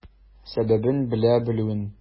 Сәбәбен белә белүен.